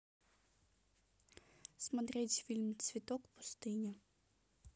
смотреть фильм цветок пустыни